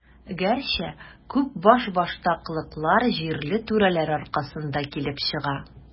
Гәрчә, күп башбаштаклыклар җирле түрәләр аркасында килеп чыга.